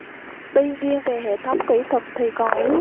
tuy nhiên về hệ thống kỹ thuật thì còn yếu